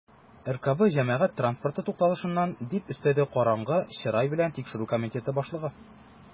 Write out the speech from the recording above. "ркб җәмәгать транспорты тукталышыннан", - дип өстәде караңгы чырай белән тикшерү комитеты башлыгы.